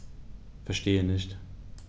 Verstehe nicht.